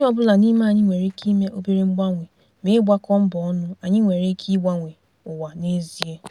Onye ọbụla n'ime anyị nwere ike ime obere mgbanwe ma ịgbakọ mbọ ọnụ anyị nwere ike gbanwee ụwa n'ezie.